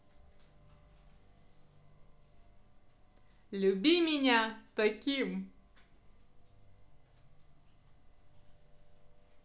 люби меня таким